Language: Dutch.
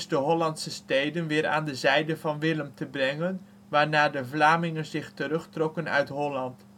Hollandse steden weer aan de zijde van Willem te brengen, waarna de Vlamingen zich terugtrokken uit Holland